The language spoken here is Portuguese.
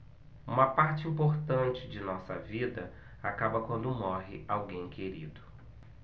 uma parte importante da nossa vida acaba quando morre alguém querido